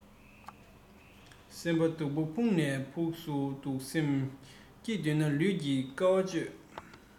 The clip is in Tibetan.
སེམས པ སྡུག པ ཕུགས ནས ཕུགས སུ སྡུག སེམས སྐྱིད འདོད ན ལུས ཀྱིས དཀའ བ སྤྱོད